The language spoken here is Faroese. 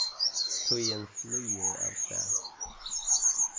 tíðin flýgur avstað